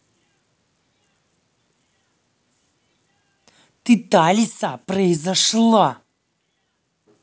ты та лиса произошла